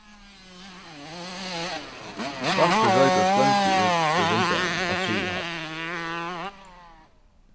svartur roykur floymdi út úr vindeygunum á triðju hædd